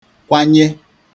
kwanye